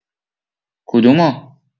کدومو؟